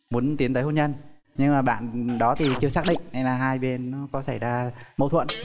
muốn tiến tới hôn nhân nhưng mà bạn đó thì chưa xác định nên là hai bên có xảy ra mâu thuẫn